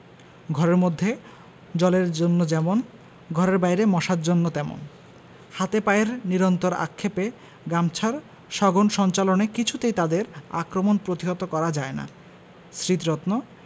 ঘরের মধ্যে জলের জন্য যেমন ঘরের বাইরে মশার জন্য তেমন হাতে পায়ের নিরন্তর আক্ষেপে গামছার সঘন সঞ্চালনে কিছুতেই তাদের আক্রমণ প্রতিহত করা যায় না স্মৃতিরত্ন